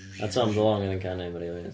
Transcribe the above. A Tom DeLonge oedd yn canu am yr aliens.